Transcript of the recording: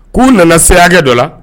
K'u nana sekɛ dɔ la